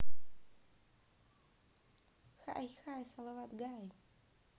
хай хай салават гай